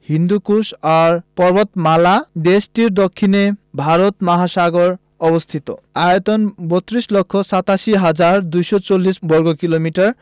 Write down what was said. হিন্দুকুশ ও পর্বতমালা দেশটির দক্ষিণে ভারত মহাসাগর অবস্থিত আয়তন ৩২ লক্ষ ৮৭ হাজার ২৪০ বর্গ কিমি